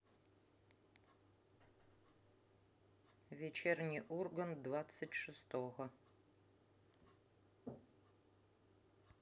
вечерний ургант двадцать шестого